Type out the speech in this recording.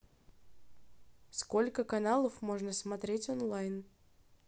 сколько каналов можно смотреть онлайн